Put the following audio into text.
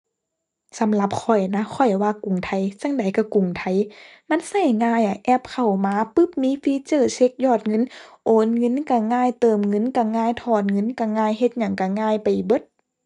สำหรับข้อยนะ ข้อยว่ากรุงไทยจั่งใดก็กรุงไทย มันก็ง่ายอะแอปเข้ามาปึบมีฟีเจอร์เช็กยอดเงิน โอนเงินก็ง่าย เติมเงินก็ง่าย ถอนเงินก็ง่าย เฮ็ดหยังก็ง่ายไปเบิด